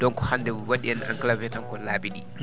donc hannde o waɗi enclaver tan ko laabi ɗi